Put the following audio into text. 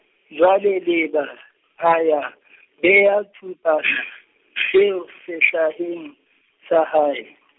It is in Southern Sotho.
jwale Leeba, a ya, bea thupana, eo sehlaheng, sa hae.